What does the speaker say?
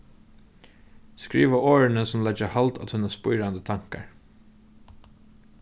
skriva orðini sum leggja hald á tínar spírandi tankar